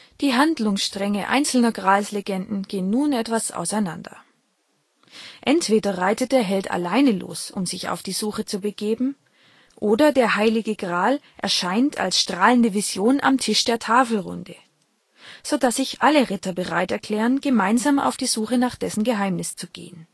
Die Handlungsstränge einzelner Gralslegenden gehen nun etwas auseinander: Entweder reitet der Held alleine los, um sich auf die Suche zu begeben, oder der Heilige Gral erscheint als strahlende Vision am Tisch der Tafelrunde, so dass sich alle Ritter bereit erklären, gemeinsam auf die Suche nach dessen Geheimnis zu gehen